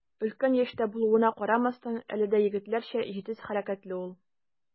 Өлкән яшьтә булуына карамастан, әле дә егетләрчә җитез хәрәкәтле ул.